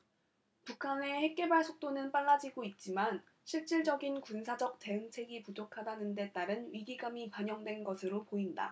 북한의 핵개발 속도는 빨라지고 있지만 실질적인 군사적 대응책이 부족하다는 데 따른 위기감이 반영된 것으로 보인다